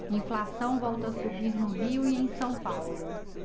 inflação volta a subir no rio e em são paulo